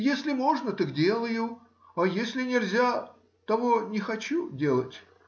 Если можно, так делаю, а если нельзя — того не хочу делать.